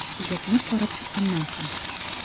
Үзәкне карап чыкканнан соң.